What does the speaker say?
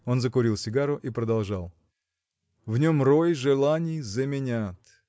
Он закурил сигару и продолжал: В нем рой желаний заменят?